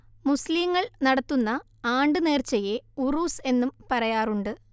മുസ്ലിംകൾ നടത്തുന്ന ആണ്ട് നേർച്ചയെ ഉറൂസ് എന്നും പറയാറുണ്ട്